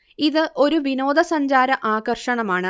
ഇത് ഒരു വിനോദ സഞ്ചാര ആകർഷണമാണ്